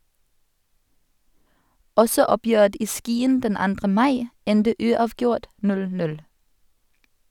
Også oppgjøret i Skien den 2. mai endte uavgjort, 0-0.